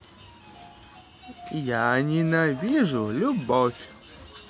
я ненавижу любовь